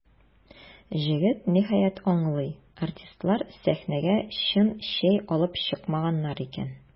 Җегет, ниһаять, аңлый: артистлар сәхнәгә чын чәй алып чыкмаганнар икән.